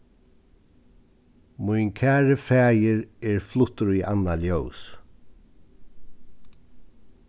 mín kæri faðir er fluttur í annað ljós